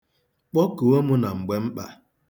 Kpọkuo m na mgba mkpa.